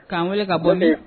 K'an wele ka bɔ dɛ